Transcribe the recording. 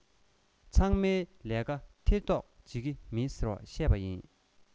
ཚང མའི ལས ཀར ཐེ གཏོགས བྱེད ཀྱི མིན ཟེར བཤད པ ཡིན